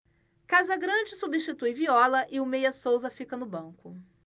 casagrande substitui viola e o meia souza fica no banco